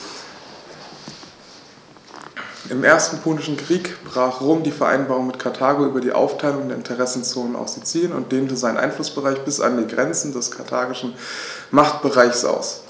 Im Ersten Punischen Krieg brach Rom die Vereinbarung mit Karthago über die Aufteilung der Interessenzonen auf Sizilien und dehnte seinen Einflussbereich bis an die Grenze des karthagischen Machtbereichs aus.